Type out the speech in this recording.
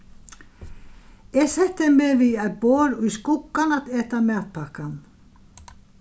eg setti meg við eitt borð í skuggan at eta matpakkan